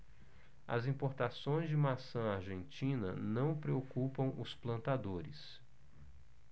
as importações de maçã argentina não preocupam os plantadores